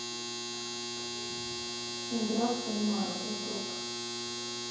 игра в кальмара ютуб